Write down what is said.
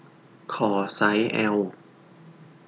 ขอไซส์แอล